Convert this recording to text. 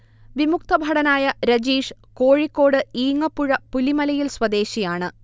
വിമുക്ത ഭടനായ രജീഷ് കോഴിക്കോട് ഈങ്ങപ്പുഴ പുലിമലയിൽ സ്വദേശിയാണ്